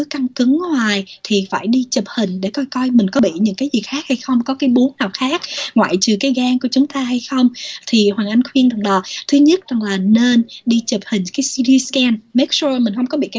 căng cứng hoài thì phải đi chụp hình để coi coi mình có bị những cái gì khác hay không có cái búa nào khác ngoại trừ cái gan của chúng ta hay không thì hoàng anh khuyên rằng là thứ nhất là nên đi chụp hình kít si tiu ken mít sô mình không có bị cái